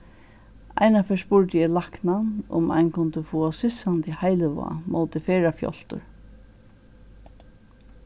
einaferð spurdi eg læknan um ein kundi fáa sissandi heilivág móti ferðafjáltur